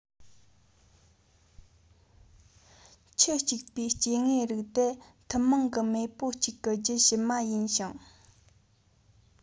ཁྱུ གཅིག པའི སྐྱེ དངོས རིགས དེ ཐུན མོང གི མེས པོ གཅིག གི རྒྱུད ཕྱི མ ཡིན ཞིང